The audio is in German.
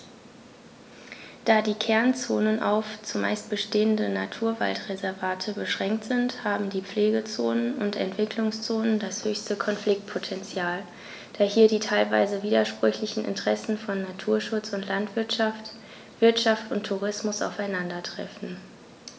Da die Kernzonen auf – zumeist bestehende – Naturwaldreservate beschränkt sind, haben die Pflegezonen und Entwicklungszonen das höchste Konfliktpotential, da hier die teilweise widersprüchlichen Interessen von Naturschutz und Landwirtschaft, Wirtschaft und Tourismus aufeinandertreffen.